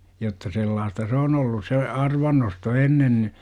jotta sellaista se on ollut se arvannosto ennen niin